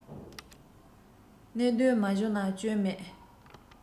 གནད དོན མ བྱུང ན སྐྱོན མེད